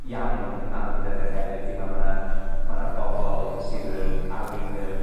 iawn yn ran o gwleidyddieth hefyd fi'n me'wl ma' 'na ma' 'na bobol sydd yn arweinwyr